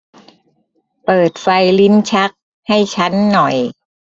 เปิดไฟลิ้นชักให้ชั้นหน่อย